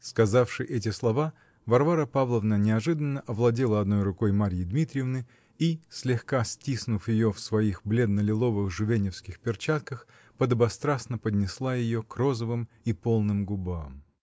Сказавши эти слова, Варвара Павловна неожиданно овладела одной рукой Марьи Дмитриевны и, слегка стиснув ее в своих бледно-лиловых жувеневских перчатках, подобострастно поднесла ее к розовым и полным губам.